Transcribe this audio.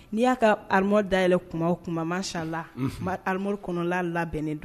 N'i y'a ka dayɛlɛ kuma kumaman sala kɔnɔla labɛnnen don